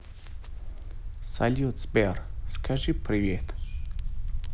салют сбер скажи привет